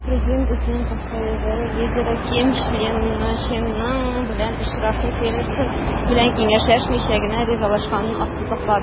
Президент үзенең КХДР лидеры Ким Чен Ын белән очрашуга Тиллерсон белән киңәшләшмичә генә ризалашканын ассызыклады.